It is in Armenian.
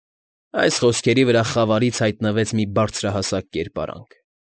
Այս խոսքերի վրա խավարից հայտնվեց մի բարձրահասակ կերպարանք։